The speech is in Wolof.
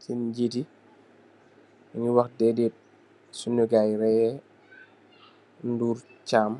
ci njèti nungi wah dèdèt sunnu guy yi rëh yi Ndur Cham.